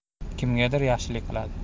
kimgadir yaxshilik qiladi